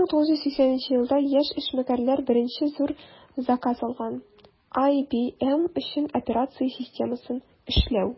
1980 елда яшь эшмәкәрләр беренче зур заказ алган - ibm өчен операция системасын эшләү.